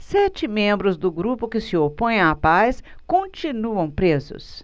sete membros do grupo que se opõe à paz continuam presos